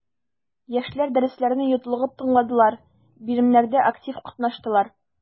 Яшьләр дәресләрне йотлыгып тыңладылар, биремнәрдә актив катнаштылар.